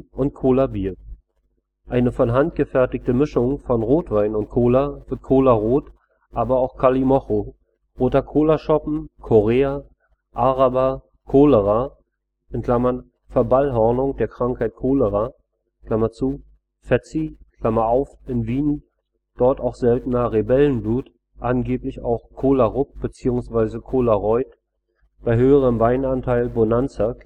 und Cola-Bier. Eine von Hand gefertigte Mischung von Rotwein und Cola wird Cola-Rot, aber auch Calimocho, roter Colaschoppen, Korea, Araber, Colera (Verballhornung der Krankheit Cholera), Fetzi (in Wien, dort auch seltener Rebellenblut, angeblich auch Cola Rup bzw. Cola Roid, bei höherem Weinanteil Bonanza